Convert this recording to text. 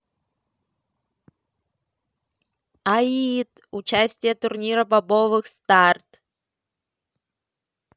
аид участие турнира бобровых старт